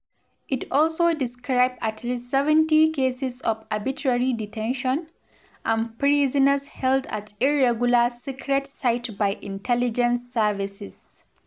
It also described at least 70 cases of “arbitrary detention,” and prisoners held at irregular secret sites by intelligence services.